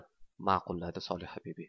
ma'qulladi solihabibi